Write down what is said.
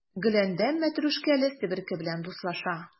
Гөләндәм мәтрүшкәле себерке белән дуслаша.